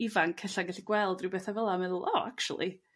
ifanc e'lla' gallu gweld rhyw betha' fel 'a a meddwl o actiwali,